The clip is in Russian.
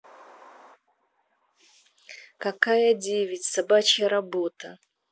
какая девять собачья работа